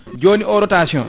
joni o rotation